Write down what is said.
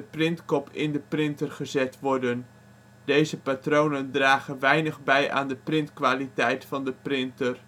printkop in de printer gezet worden. Deze patronen dragen weinig bij aan de printkwaliteit van de printer